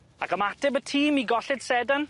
Ac ymateb y tîm i golled Sedan?